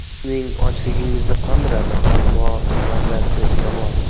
bu sizning ochligingizni qondiradi ammo mazasi yoqmaydi